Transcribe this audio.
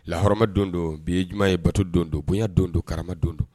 Lahɔrɔma don doo bi ye juma ye bato don do bonya don do karama don do